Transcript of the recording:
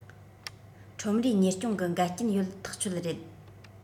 ཁྲོམ རའི གཉེར སྐྱོང གི འགལ རྐྱེན ཡོད ཐག ཆོད རེད